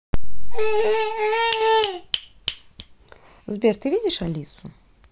сбер ты видишь алису